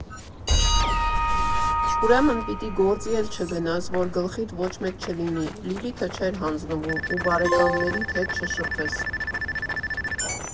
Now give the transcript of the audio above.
֊ Ուրեմն պիտի գործի էլ չգնաս, որ գլխիդ ոչ մեկ չլինի, ֊ Լիլիթը չէր հանձնվում, ֊ ու բարեկամներիդ հետ չշփվես…